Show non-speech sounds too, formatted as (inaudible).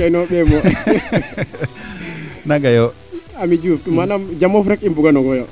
kene o ɓeemo (laughs) naaga yo amy Diouf manaam jamof rek i mbuga nongoyo